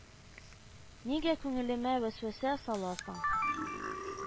Нигә күңелемә вәсвәсә саласың